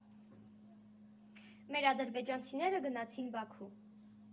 Մեր ադրբեջանցիները գնացին Բաքու։